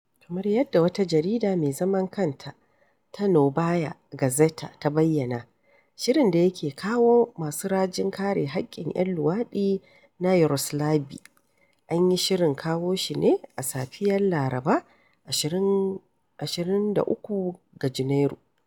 Kamar yadda wata jarida mai zaman kanta ta Noɓaya Gazeta ta bayyana, shirin da yake kawo masu rajin kare haƙƙin 'yan luwaɗi na Yaroslaɓi, an yi shirin kawo shi ne a safiyar Laraba, 23 ga Janairu.